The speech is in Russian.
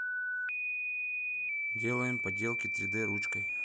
делаем поделки три д ручкой